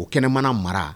O kɛnɛmana mara